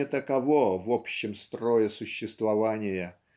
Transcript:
не таково в общем строе существования